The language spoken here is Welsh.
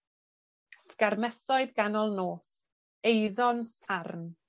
sgarmesoedd ganol nos, eiddo'n sarn.